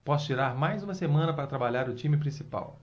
posso tirar mais uma semana para trabalhar o time principal